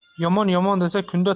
yomon yomon desa kunda